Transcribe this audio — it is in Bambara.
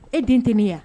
E den tɛ ne yan